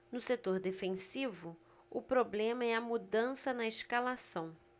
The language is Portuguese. no setor defensivo o problema é a mudança na escalação